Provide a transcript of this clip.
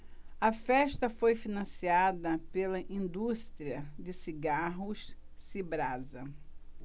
a festa foi financiada pela indústria de cigarros cibrasa